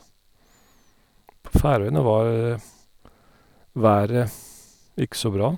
På Færøyene var været ikke så bra.